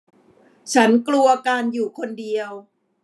ฉันกลัวการอยู่คนเดียว